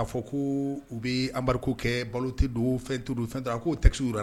A fɔ ko u bɛ anbari kɛ balo tɛ don fɛn tuuru fɛn k'o tas u